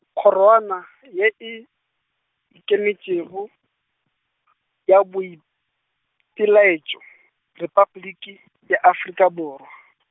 Kgorwana, ye e, Ikemetšego , ya Boipelaetšo, Repabliki ya Afrika Borwa.